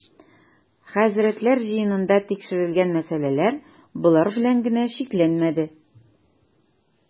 Хәзрәтләр җыенында тикшерел-гән мәсьәләләр болар белән генә чикләнмәде.